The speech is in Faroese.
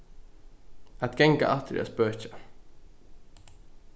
at ganga aftur er at spøkja